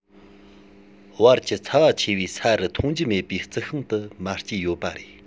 བར གྱི ཚ བ ཆེ བའི ས རུ མཐོང རྒྱུ མེད པའི རྩི ཤིང དུ མ སྐྱེས ཡོད པ རེད